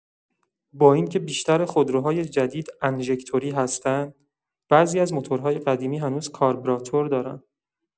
با اینکه بیشتر خودروهای جدید انژکتوری هستن، بعضی از موتورهای قدیمی هنوز کاربراتور دارن.